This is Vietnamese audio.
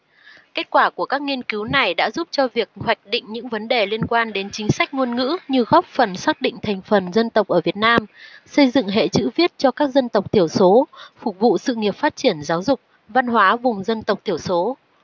kết quả của các nghiên cứu này đã giúp cho việc hoạch định những vấn đề liên quan đến chính sách ngôn ngữ như góp phần xác định thành phần dân tộc ở việt nam xây dựng hệ chữ viết cho các dân tộc thiểu số phục vụ sự nghiệp phát triển giáo dục văn hóa vùng dân tộc thiểu số